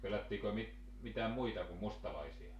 pelättiinkö - mitään muita kuin mustalaisia